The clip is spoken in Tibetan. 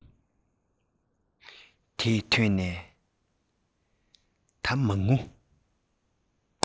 དེས ཐོས པ ནད མ ངུ